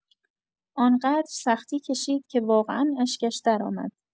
آن‌قدر سختی کشید که واقعا اشکش درآمد.